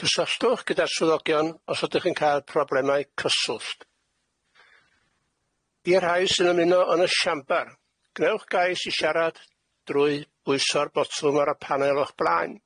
Cysylltwch gyda'r swyddogion os ydych yn cael problemau cyswllt. I rai sy'n ymuno yn y siambr, gnewch gais i siarad drwy bwyso'r botwm ar y panel o'ch blaen.